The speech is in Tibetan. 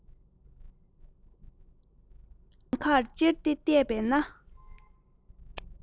ནམ མཁར ཅེར ཏེ བསྡད པ ན